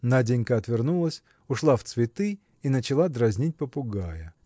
Наденька отвернулась, ушла в цветы и начала дразнить попугая.